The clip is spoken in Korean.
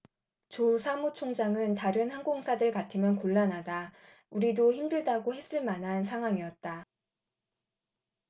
조 사무총장은 다른 항공사들 같으면 곤란하다 우리도 힘들다고 했을 만한 상황이었다